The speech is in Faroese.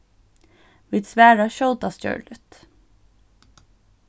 vit svara skjótast gjørligt